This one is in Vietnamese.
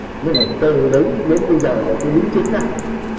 nhưng mà từ đấy đến bây giờ là tôi đính chính lại